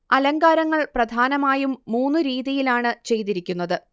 അലങ്കാരങ്ങൾ പ്രധാനമായും മൂന്നു രീതിയിലാണ് ചെയ്തിരിക്കുന്നത്